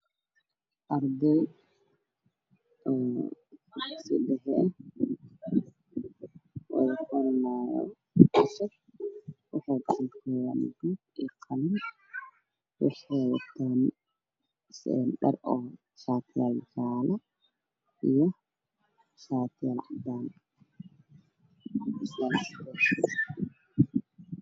Waxaa ii muuqda arday imtixaan galaysa oo wato sharar jaalla ah iyo shaarar caddaan ah waxa ayna qorayaan warqado